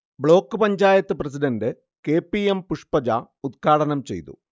Block panchayat president K. P. M. Pushpaja ഉദ്ഘാടനം ചെയ്തു